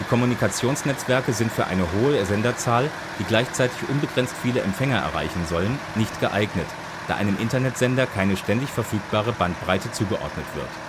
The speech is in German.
Die Kommunikationsnetzwerke sind für eine hohe Senderzahl, die gleichzeitig unbegrenzt viele Empfänger erreichen sollen, nicht geeignet, da einem Internet-Sender keine ständig verfügbare Bandbreite zugeordnet wird